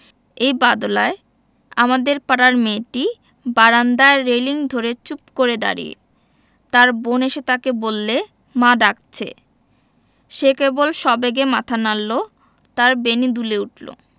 এই বাদলায় আমাদের পাড়ার মেয়েটি বারান্দায় রেলিঙ ধরে চুপ করে দাঁড়িয়ে তার বোন এসে তাকে বললে মা ডাকছে সে কেবল সবেগে মাথা নাড়ল তার বেণী দুলে উঠল